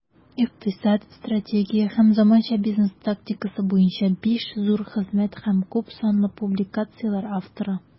Икътисад, стратегия һәм заманча бизнес тактикасы буенча 5 зур хезмәт һәм күпсанлы публикацияләр авторы.